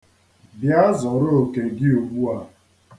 Bịa zọrọ oke gị ugbua.